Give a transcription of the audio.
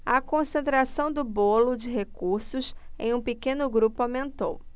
a concentração do bolo de recursos em um pequeno grupo aumentou